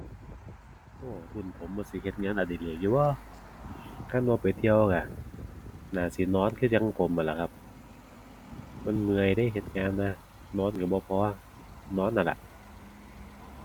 โอ้ รุ่นผมมันสิเฮ็ดงานอดิเรกอยู่บ่ คันบ่ไปเที่ยวก็น่าสินอนคือจั่งผมนั่นล่ะครับ มันเมื่อยเดะเฮ็ดงานมา นอนก็บ่พอ นอนนั่นล่ะ